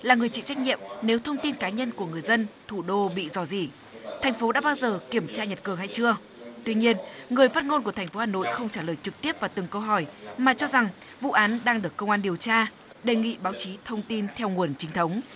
là người chịu trách nhiệm nếu thông tin cá nhân của người dân thủ đô bị rò rỉ thành phố đã bao giờ kiểm tra nhật cường hay chưa tuy nhiên người phát ngôn của thành phố hà nội không trả lời trực tiếp vào từng câu hỏi mà cho rằng vụ án đang được công an điều tra đề nghị báo chí thông tin theo nguồn chính thống